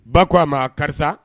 Ba ko a ma karisa